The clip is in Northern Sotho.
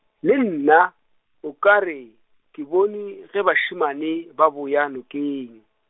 le nna, o ka re, ke bone ge bašemane, ba boya nokeng.